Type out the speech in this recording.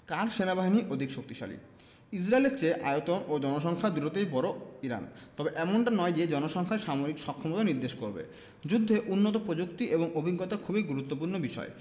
কার সেনাবাহিনী অধিক শক্তিশালী ইসরায়েলের চেয়ে আয়তন ও জনসংখ্যা দুটোতেই বড় ইরান তবে এমনটা নয় যে জনসংখ্যাই সামরিক সক্ষমতা নির্দেশ করবে যুদ্ধে উন্নত প্রযুক্তি এবং অভিজ্ঞতা খুবই গুরুত্বপূর্ণ বিষয়